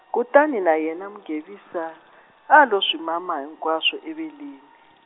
kutani na yena Mugevisa, a lo swi mama hinkwaswo eveleni.